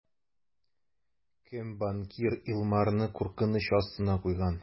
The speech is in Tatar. Кем банкир Илмарны куркыныч астына куйган?